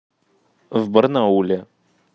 в барнауле